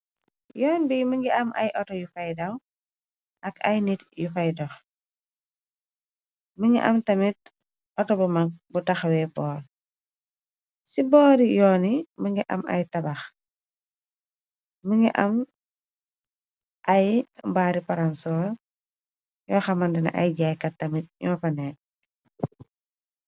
yoon bi mi ngi am ay auto yu faydaw ak ay nit yu faydox mi ngi am tamit auto bu mag bu taxawee pol ci boori yooni mi ngi am ay tabax mi ngi am ay mbaari paransor yoo xamandna ay jaaykat tamit ñoo fanee.